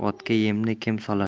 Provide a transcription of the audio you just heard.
otga yemni kim solar